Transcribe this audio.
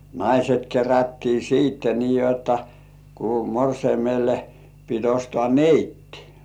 naiset kerättiin sitten niin jotta kun morsiamelle piti ostaa neitti